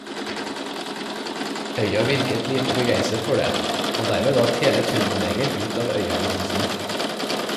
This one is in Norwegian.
Øya virket lite begeistret for det - og dermed datt hele Turboneger ut av Øya-annonsene.